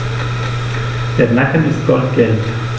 Der Nacken ist goldgelb.